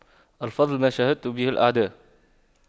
الفضل ما شهدت به الأعداء